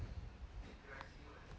лучшие виды абхазии